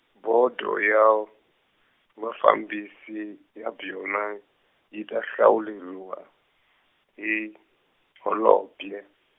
bodo ya vafambisi ya byona yi ta hlawuleriwa hi holobye.